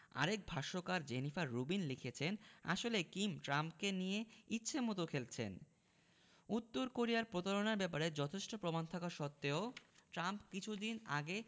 আরেক ভাষ্যকার Jennifer Rubin লিখেছেন আসলে কিম ট্রাম্পকে নিয়ে ইচ্ছেমতো খেলছেন উত্তর কোরিয়ার প্রতারণার ব্যাপারে যথেষ্ট প্রমাণ থাকা সত্ত্বেও ট্রাম্প কিছুদিন আগে